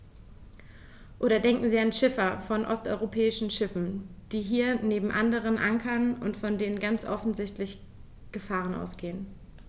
Oder denken Sie an Schiffer von osteuropäischen Schiffen, die hier neben anderen ankern und von denen ganz offensichtlich Gefahren ausgehen.